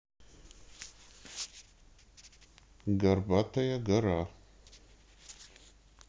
горбатая гора